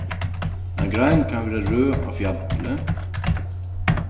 ein grein kann vera røð á fjalli